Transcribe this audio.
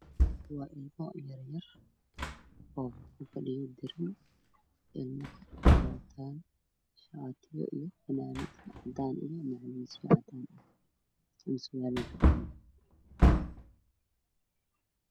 Waa wiilal yar yar oo fadhiyaan meel oo wataan dharacdaan fanaanado cadaan